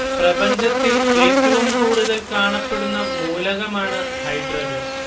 പ്രപഞ്ചത്തില്‍ ഏറ്റവും കൂടുതല്‍ കാണപ്പെടുന്ന മൂലകമാണ് ഹൈഡ്രജന്‍